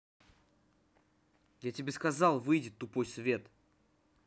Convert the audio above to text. я тебе сказал выйдет тупой свет